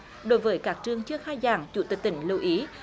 đối với các trường trước khai giảng chủ tịch tỉnh lưu ý